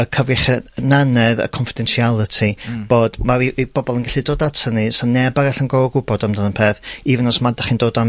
y cyfrichiananedd y confidentiality... Hmm. ...bod ma' by' bobol yn gallu dod ato ni, 'sa neb arall yn gor'o' gwbod amdan y peth even os ma' 'dach chi'n dod am